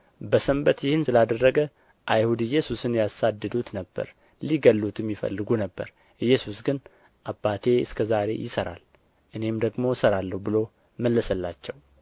በሰንበት ይህን ስላደረገ አይሁድ ኢየሱስን ያሳድዱት ነበር ሊገድሉትም ይፈልጉ ነበር ኢየሱስ ግን አባቴ እስከ ዛሬ ይሠራል እኔም ደግሞ እሠራለሁ ብሎ መለሰላቸው